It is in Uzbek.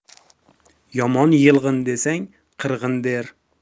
yomon yilg'in desang qirg'in der